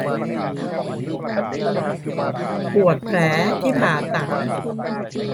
ปวดแผลที่ผ่าตัด